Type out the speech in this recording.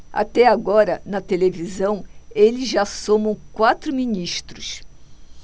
até agora na televisão eles já somam quatro ministros